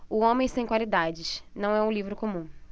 o homem sem qualidades não é um livro comum